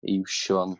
a iwsio fo'n